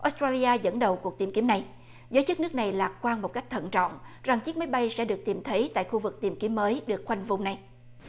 ót tro li a dẫn đầu cuộc tìm kiếm này giới chức nước này lạc quan một cách thận trọng rằng chiếc máy bay sẽ được tìm thấy tại khu vực tìm kiếm mới được khoanh vùng này